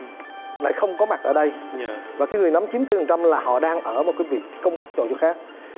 thì lại không có mặt ở đây cái người nắm chín phần trăm là họ đang ở một cái việc công việc khác